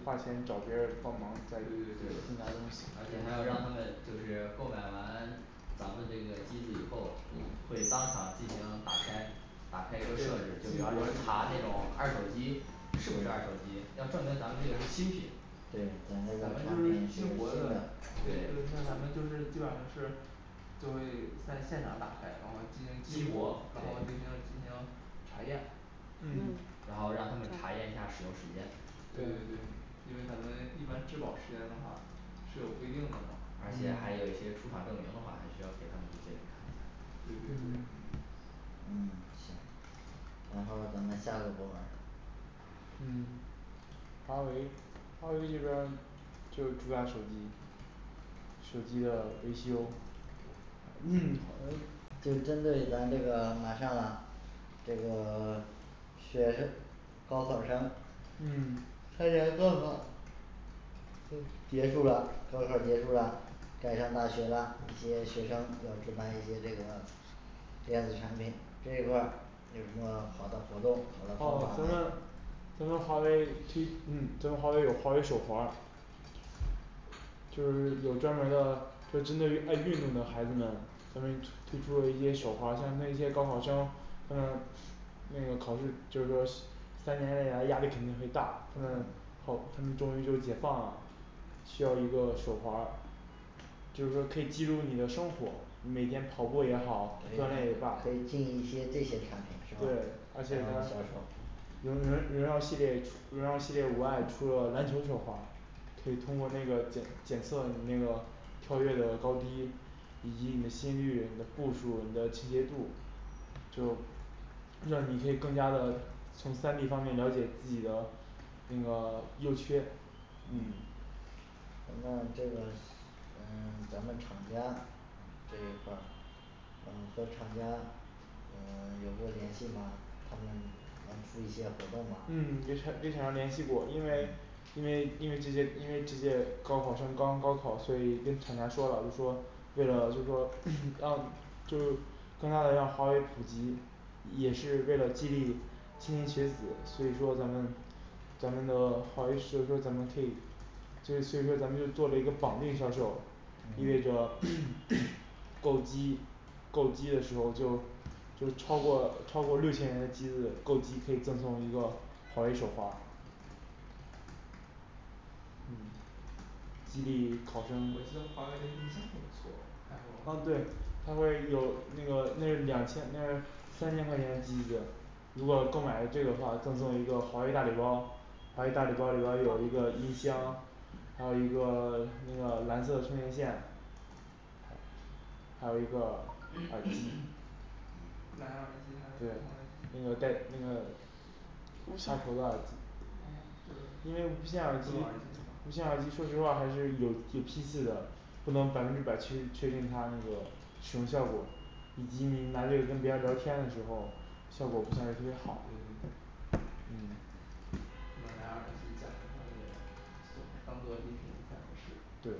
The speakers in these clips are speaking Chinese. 花钱找别人帮忙再对对对而且还要让他们就是购买完咱们这个机子以后会当场进行打开打开一个设置，就比激活方是说查那吗种二手机是不是二手机要证明咱们这个是新品咱咱这个得打们开就是是激新活的的，对，就是像对咱们就是基本上就是就会 在现场打开，然后进行激激活活，然后对对这个进行查验嗯嗯然后让他们查验一下使用时间对对对因为咱们一般质保时间的话是有规定的嘛而且还有一些出厂证明的话，还需要给他们这些人看一下对嗯嗯对嗯对嗯嗯行然后咱们下个部门嗯华为华为这边儿就是主打手机，手机的维修 呃好嘞就针对咱这个马上啦这个 学生高考生嗯参加高考 结束了高考儿结束啦该上大学啦一些学生要置办一些这个电子产品这一块儿有什么好的活动好哦的咱想法儿们咱们华为是一 咱们华为有华为手环儿就是有专门儿的就针对于爱运动的孩子们，咱们推 推出了一些手环儿像那一些高考生他们那个考试就是说细三年以来压力肯定会大，他们考他们终于就解放了需要一个手环儿，就是说可以记录你的生活你每天跑步也好，嗯锻炼也对罢可以进一些这些产品是对吧而且进行咱销售荣荣荣耀系列荣耀系列五还出了篮球手环儿可以通过那个检检测你那个跳跃的高低以及你的心率，你的步数你的倾斜度就让你可以更加的从三D方面了解自己的那个 优缺嗯咱们这个呃 咱们厂家这一块儿嗯和厂家呃 有过联系吗他们能出一些活动吗嗯嗯给厂 给厂家联系过因为因为因为这些因为这届高考生刚高考，所以跟厂家说了，就说为了就是说 让就是更加的让华为普及也是为了激励青年学子，所以说咱们咱们的华为是设置成咱们可以所以所以说咱们就做了一个绑定销售，意味嗯着 购机购机的时候就就超过超过六千元的机子，购机可以赠送一个华为手环儿嗯激励考我生记得华为的音箱也不错还啊有对他会有那个那两千那三千块钱的机子如果购买这个的话赠送一个华为大礼包，华为大礼包里边儿有一个音箱还有一个 那个蓝色的充电线还有一个耳机 蓝牙耳机还对是什那么个耳带机那个 啊就是有线耳机是吗因为无线耳机无线耳机说实话还是有批次的不能百分之百确定确定它那个使用效果以及你拿这个跟别人聊天的时候效果不算是特别对对好对嗯你把蓝牙耳机讲一下那个送当做礼品不太合适对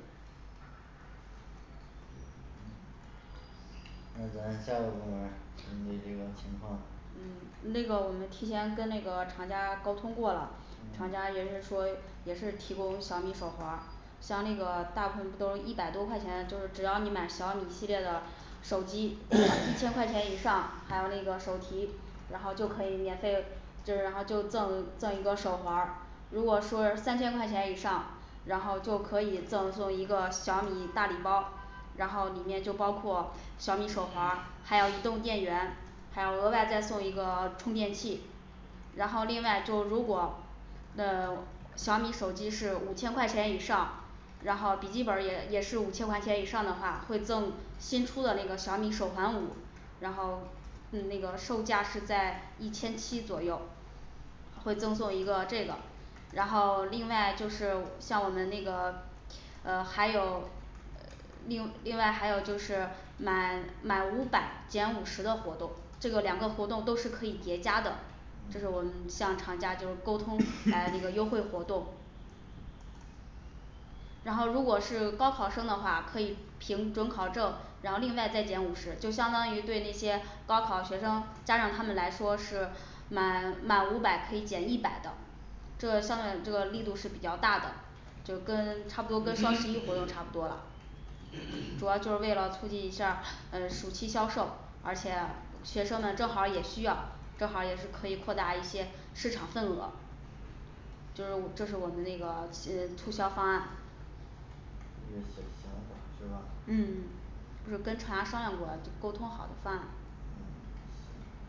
那咱下个部门儿小米这个情况嗯那个我们提前跟那个厂家沟通过了厂家嗯也是说也是提供小米手环儿像那个大部分都一百多块钱，就是只要你买小米系列的手机一 千块钱以上还有那个手提，然后就可以免费就是然后就赠赠一个手环儿如果说三千块钱以上，然后就可以赠送一个小米大礼包儿然后里面就包括小米手环儿 ，还有移动电源，还有额外再送一个 充电器然后另外就如果呃 小米手机是五千块钱以上然后笔记本儿也也是五千块钱以上的话，会赠新出的那个小米手环五然后嗯那个售价是在一千七左右会赠送一个这个然后另外就是像我们那个呃还有呃另另外还有就是满满五百减五十的活动，这个两个活动都是可以叠加的这是我们嗯向厂家就是沟通厂家这个优 惠活动然后如果是高考生的话，可以凭准考证，然后另外再减五十，就相当于对那些高考儿学生家长他们来说是满满五百可以减一百的这个上面这个力度是比较大的就跟 差不多跟双十一活动差不 多了 主要就是为了促进一下儿嗯暑期销售，而且学生们正好儿也需要正好儿也是可以扩大一些市场份额就是这是我们那个呃促销方案一些想想法是嗯吧嗯就是跟厂家商量过了沟通好了方案嗯行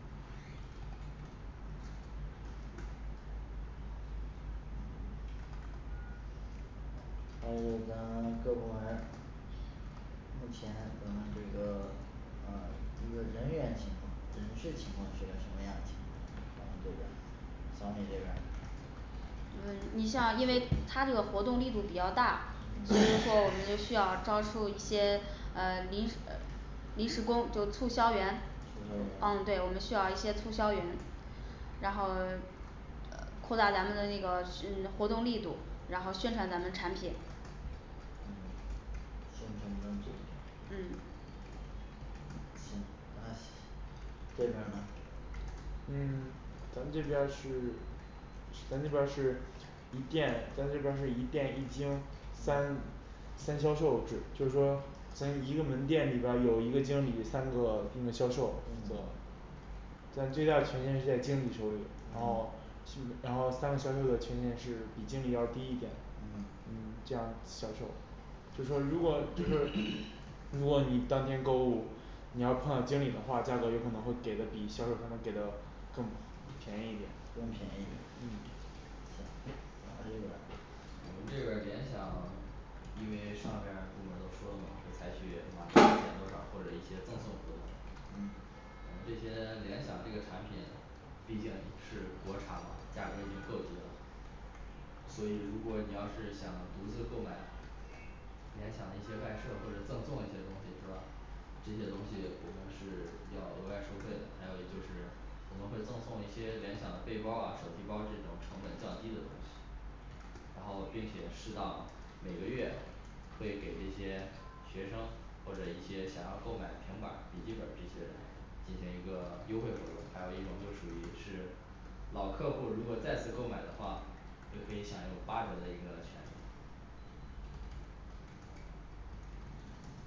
&嗯&还有就是咱 各部门儿 目前咱们这个 呃这个人员情况人事情况是个什么样的情况咱们这边儿小米这边儿嗯你像因为它这个活动力度比较大，也就是说我 们需要招收一些呃临呃临时工就促销员促销啊对员我们需要一些促销员然后 扩大咱们的那个是活动力度，然后宣传咱们产品嗯宣传咱产品嗯嗯行咱们这边儿呢嗯咱们这边儿是咱这边儿是一店咱这边儿是一店一经三三销售就是说咱一个门店里边儿有一个经理三个那个销售的嗯那最大权限是在经理手里，然啊后 然后三个销售的权限是比经理要低一点嗯嗯嗯这样销售就说如果就是 如果你当天购物你要碰到经理的话，价格有可能会给的比销售他们给的更便宜一点更便宜一点嗯行然后这边儿我们这边儿联想 因为上边儿部门儿都说了嘛，会采取满减多少或者一些赠送活动，我们嗯这些联想这个产品毕竟也是国产嘛价格儿已经够低了所以如果你要是想独自购买联想的一些外设或者赠送一些东西是吧这些东西我们是要额外收费的，还有一就是我们会赠送一些联想的背包儿啊手提包儿，这种成本较低的东西然后并且适当每个月会给这些学生或者一些想要购买平板儿笔记本儿这些人进行一个优惠活动，还有一种就属于是老客户儿如果再次购买的话，会可以享有八折的一个权利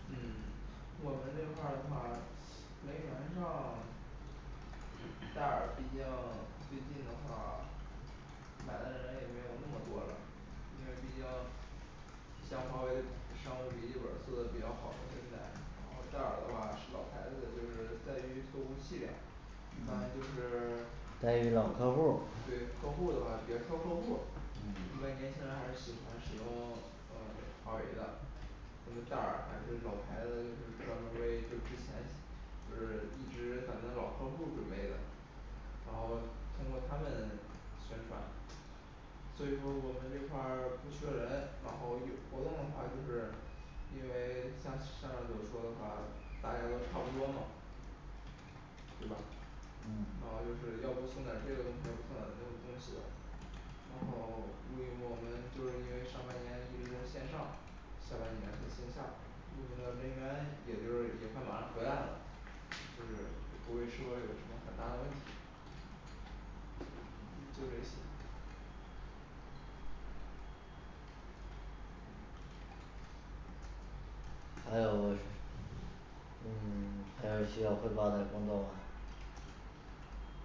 嗯 我们这块儿的话人员上 戴尔毕竟 最近的话 买的人也没有那么多了，因为毕竟像华为商务笔记本儿做的比较好现在，然后戴尔的话是老牌子，就是在于做工细点儿一般就是嗯 这在对于老客客户户儿儿的话比较靠客户儿一般嗯年轻人还是喜欢使用 华华为为的什么戴尔还是老牌子，就是专门儿为就之前就是一直咱们的老客户儿准备的然后通过他们宣传所以说我们这块儿 不缺人，然后有活动的话就是因为 像上面所说的话，大家都差不多嘛对吧然后就嗯是要不送点儿这个东西，要不送点儿那个东西的然后 因为我们就是因为上半年一直在线上下半年的线下我们的人员也就是也快马上回来了就是不会说有什么很大的问题嗯就这些嗯 还有需要汇报嘞工作吗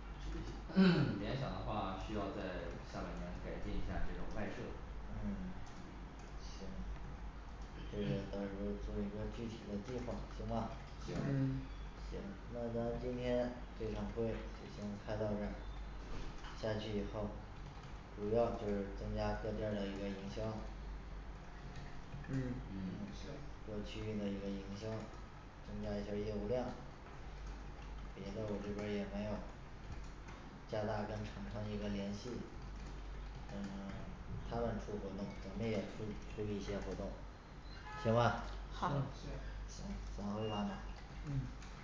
具体 联想的话需要在下半年改进一下这种外设嗯行这个 到时候儿做一个具体的规划行吧行嗯行那咱今天这场会就先开到这儿下去以后，主要就是增加各店儿的一个营销嗯嗯行各区域的一个营销增加一些业务量别的我这边儿也没有了加大跟厂商的一个联系嗯他们出活动咱们也出出一些活动行吧嗯行好嗯行行散会吧那嗯